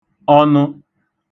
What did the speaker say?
ọnụ